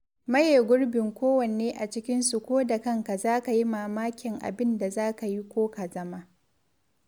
Maye gurbin kowanne a cikinsu ko da kanka zaka yi mamakin abin da za ka yi ko ka zama